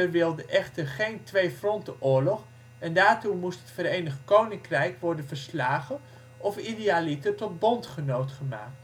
wilde echter geen twee-frontenoorlog en daartoe moest het Verenigd Koninkrijk worden verslagen of idealiter tot bondgenoot gemaakt